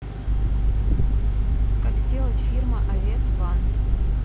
как сделать фирма овец ван